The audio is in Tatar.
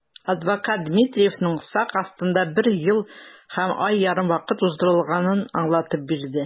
Адвокат Дмитриевның сак астында бер ел һәм ай ярым вакыт уздырганлыгын аңлатып бирде.